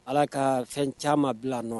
Ala ka fɛn caman bila nɔ